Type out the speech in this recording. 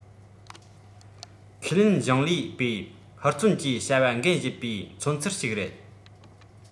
ཁས ལེན གཞུང ལས པའི ཧུར བརྩོན གྱིས བྱ བ འགན བཞེས པའི མཚོན ཚུལ ཞིག རེད